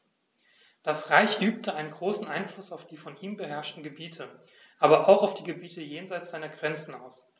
Das Reich übte einen großen Einfluss auf die von ihm beherrschten Gebiete, aber auch auf die Gebiete jenseits seiner Grenzen aus.